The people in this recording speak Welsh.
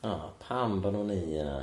Oh, pam bo' nhw'n neu' huna?